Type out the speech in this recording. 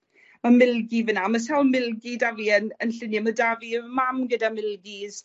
ma' milgi fyn 'na. Ma' sawl milgi 'da fi yn 'yn llunie, ma' 'da fi mam gyda milgis